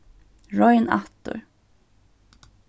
royn aftur